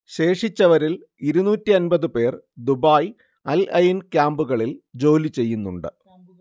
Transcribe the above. ശേഷിച്ചവരിൽ ഇരുന്നൂറ്റി അമ്പതു പേർ ദുബായ്, അൽഐൻ ക്യാംപുകളിലായി ജോലി ചെയ്യുന്നുണ്ട്